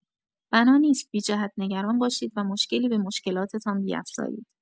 بنا نیست بی‌جهت نگران باشید و مشکلی به مشکلاتتان بیفزایید.